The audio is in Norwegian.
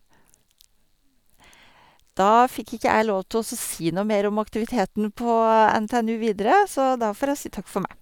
Da fikk ikke jeg lov til å så si noe mer om aktiviteten på NTNU Videre, så da får jeg si takk for meg.